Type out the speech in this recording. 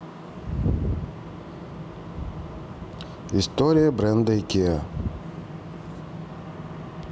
история бренда ikea